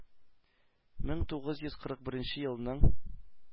Мең тугыз йөз кырык беренче елның